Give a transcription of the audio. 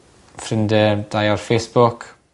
frindie 'da 'i ar Facebook.